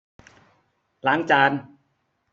ล้างจาน